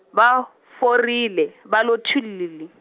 va, forile, va lo thwililii.